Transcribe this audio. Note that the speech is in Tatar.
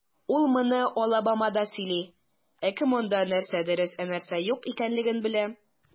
Ул моны Алабамада сөйли, ә кем анда, нәрсә дөрес, ә нәрсә юк икәнлеген белә?